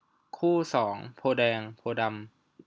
คู่สองโพธิ์แดงโพธิ์ดำ